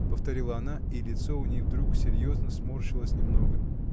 — повторила она, и лицо у ней вдруг серьезно сморщилось немного.